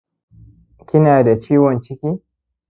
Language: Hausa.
kina da ciwon ciki